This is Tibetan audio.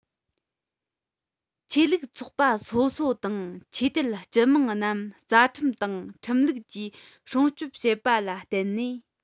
ཆོས ལུགས ཚོགས པ སོ སོ དང ཆོས དད སྤྱི དམངས རྣམས རྩ ཁྲིམས དང ཁྲིམས ལུགས ཀྱིས སྲུང སྐྱོབ བྱེད པ ལ བརྟེན ནས